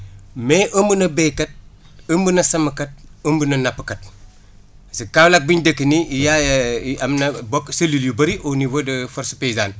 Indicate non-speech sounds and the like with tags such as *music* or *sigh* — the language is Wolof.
mais ëmb na béykat ëmb na sàmmkat ëmb na nappkat si Kaolack bi ñu dëkk nii y' *hesitation* eu am na bokk cellules yu bëri au niveau de force paysane